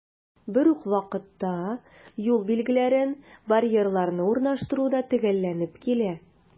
Бер үк вакытта, юл билгеләрен, барьерларны урнаштыру да төгәлләнеп килә.